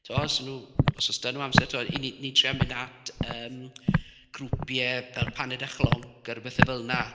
Timod os 'y nhw, os oes 'da nhw amser, tibod, 'y ni ni'n trio mynd at yym grwpiau fel Paned a Chlonc a ryw bethe fel 'na.